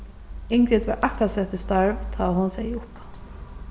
ingrid var akkurát sett í starv tá hon segði upp